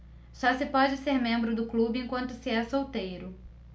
só se pode ser membro do clube enquanto se é solteiro